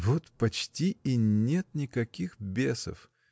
— Вот почти и нет никаких бесов!